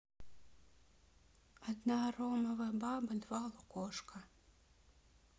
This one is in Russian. одна ромовая баба два лукошка